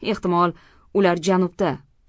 ehtimol ular janubda